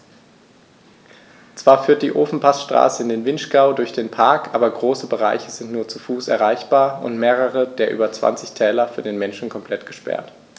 Zwar führt die Ofenpassstraße in den Vinschgau durch den Park, aber große Bereiche sind nur zu Fuß erreichbar und mehrere der über 20 Täler für den Menschen komplett gesperrt.